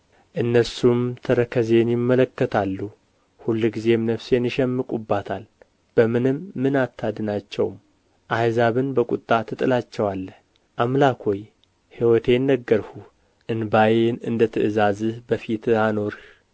እነርሱም ተረከዜን ይመለካከታሉ ሁልጊዜም ነፍሴን ይሸምቁባታል በምንም ምን አታድናቸውም አሕዛብን በቍጣ ትጥላቸዋለህ አምላክ ሆይ ሕይወቴን ነገርሁህ እንባዬን እንደ ትእዛዝህ በፊተህ አኖርህ